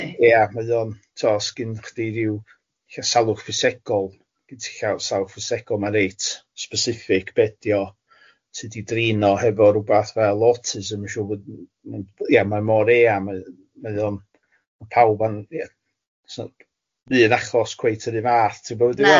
Ia mae o'n tibod os gen chdi ryw ella salwch ffisegol, ti'n ella salwch ffisegol ma'n reit specific be ydi o, ti di drino hefo rwbath fel autism, ma'n siŵr bod ma'n ia mae mor eang mae mae o'n ma pawb yn ia sna un achos cweit yr un fath ti'n gwbo be dwi'n feddwl?